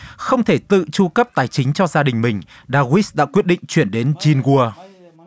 không thể tự chu cấp tài chính cho gia đình mình đa guýt đã quyết định chuyển đến chin gua